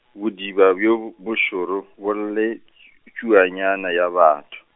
bodiba bjo bo, bošoro, bo lle , tšhuanyana ya batho.